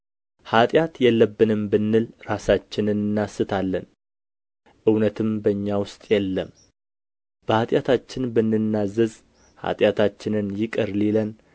ኃጢአት የለብንም ብንል ራሳችንን እናስታለን እውነትም በእኛ ውስጥ የለም በኃጢአታችን ብንናዘዝ ኃጢአታችንን ይቅር ሊለን